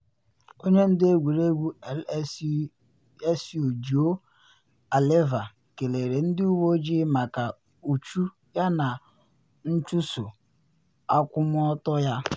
Onye ndu egwuregwu LSU Joe Alleva kelere ndị uwe ojii maka “uchu yana nchuso akwụmọtọ ya.”